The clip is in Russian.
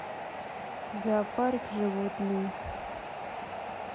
зоопарк животные